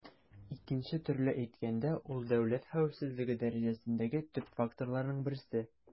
Икенче төрле әйткәндә, ул дәүләт хәвефсезлеге дәрәҗәсендәге төп факторларның берсе.